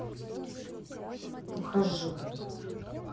ухожу